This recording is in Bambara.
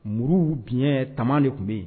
Muru dun tama de tun bɛ yen